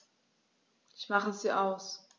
Ich mache sie aus.